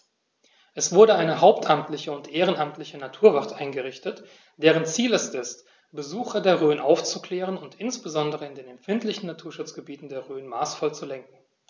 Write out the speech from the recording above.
Es wurde eine hauptamtliche und ehrenamtliche Naturwacht eingerichtet, deren Ziel es ist, Besucher der Rhön aufzuklären und insbesondere in den empfindlichen Naturschutzgebieten der Rhön maßvoll zu lenken.